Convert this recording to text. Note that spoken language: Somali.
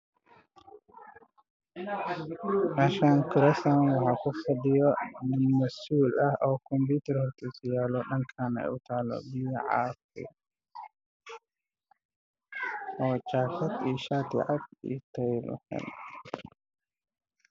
Waxaa ii muuqda nin suud madow wata oo ku fadhiya kuraas jaalle ah kuraas kale ayaa ka dambe